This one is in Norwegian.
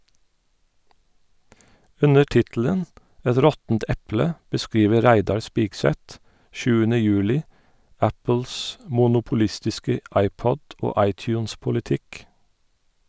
Under tittelen «Et råttent eple» beskriver Reidar Spigseth 7. juli Apples monopolistiske iPod- og iTunes-politikk.